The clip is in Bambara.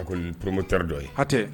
A ko n poromo tarijɔ ye hatɛ